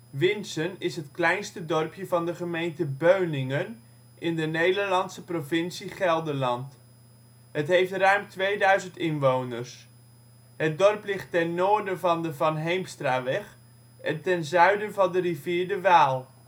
Winssen is het kleinste dorp van de gemeente Beuningen in de Nederlandse provincie Gelderland; het heeft ruim 2000 inwoners. Het dorp ligt ten noorden van de Van Heemstraweg en ten zuiden van de rivier de Waal